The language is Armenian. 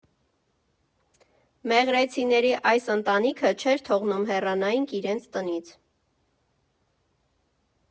Մեղրեցիների այս ընտանիքը չէր թողնում հեռանայինք իրենց տնից.